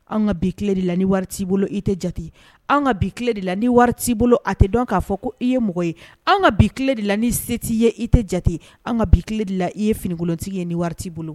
An ka bi tile de la ni wari t'i bolo i tɛ jate ,an ka bi tile de la ni wari t'i bolo a tɛ dɔn k'a fɔ ko i ye mɔgɔ ye ,an ka bi tile de la ni se t'i ye i tɛ jate, an ka bi tile de la i ye finikolontigi ye ni wari t'i bolo